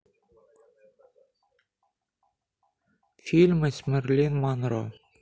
фильмы с мерлин монро